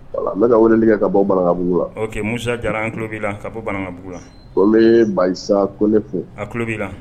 Ne ka weleli kɛ ka bɔ ban bbugu la o musa diyara an tulolo b' la ka bɔ banabugu la ko ye basa kole ko a tulolo b'i la